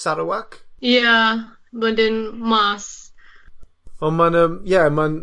Sarawak? Ie, wedyn mas. Wel ma'n yym ie ma'n